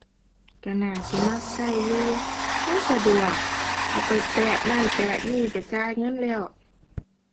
ก็น่าสิมักก็อยู่ มันสะดวกเอาไปแปะนั้นแปะนี้ก็จ่ายเงินแล้ว